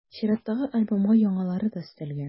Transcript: Чираттагы альбомга яңалары да өстәлгән.